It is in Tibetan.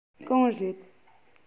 གང རེད